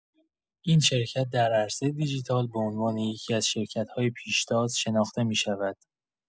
این شرکت در عرصه دیجیتال به عنوان یکی‌از شرکت‌های پیشتاز شناخته می‌شود.